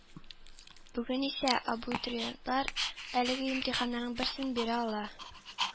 Бүген исә абутуриентлар әлеге имтиханнарның берсен бирә ала